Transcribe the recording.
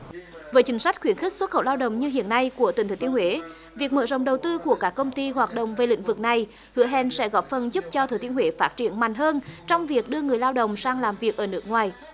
với chính sách khuyến khích xuất khẩu lao động như hiện nay của tỉnh thừa thiên huế việc mở rộng đầu tư của các công ty hoạt động về lĩnh vực này hứa hẹn sẽ góp phần giúp cho thừa thiên huế phát triển mạnh hơn trong việc đưa người lao động sang làm việc ở nước ngoài